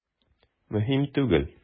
Мөһим түгел.